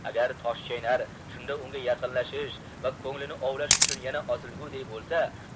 agar toshchaynar shunda unga yaqinlashish va ko'nglini ovlash uchun yana osilguday bo'lsa